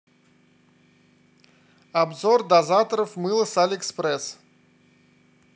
обзор дозаторов мыла с алиэкспресс